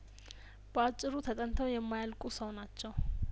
በአጭሩ ተጠንተው የማያልቁ ሰው ናቸው